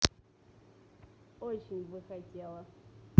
очень бы хотела